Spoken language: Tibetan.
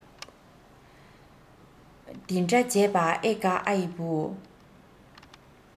དེ འདྲ བྱས པ ཨེ དགའ ཨ ཡི བུ